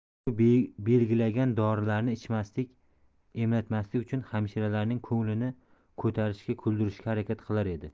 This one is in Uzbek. u belgilangan dorilarni ichmaslik emlatmaslik uchun hamshiralarning ko'nglini ko'tarishga kuldirishga harakat qilar edi